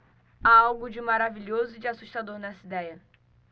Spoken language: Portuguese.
há algo de maravilhoso e de assustador nessa idéia